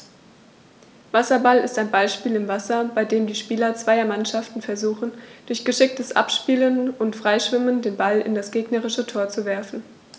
Wasserball ist ein Ballspiel im Wasser, bei dem die Spieler zweier Mannschaften versuchen, durch geschicktes Abspielen und Freischwimmen den Ball in das gegnerische Tor zu werfen.